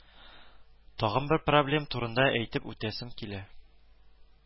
Тагын бер проблем турында әйтеп үтәсем килә